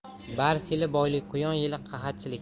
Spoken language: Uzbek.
bars yili boylik quyon yili qahatchilik